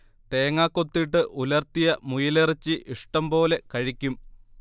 തേങ്ങക്കൊത്തിട്ട് ഉലർത്തിയ മുയലിറച്ചി ഇഷ്ടം പോലെ കഴിക്കും